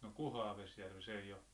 no kuhaa Vesijärvessä ei ole